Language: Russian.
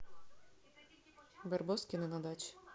барбоскины на даче